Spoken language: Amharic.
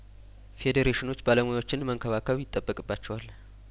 ፌዴሬሽኖች ባለሙያዎችን መንከባከብ ይጠበቅባቸዋል